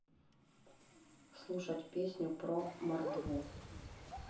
слушать песню про мордву